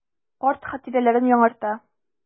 Карт хатирәләрен яңарта.